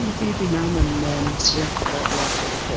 Ydi ydi na mae'n yym... ia lo- lot o bethau.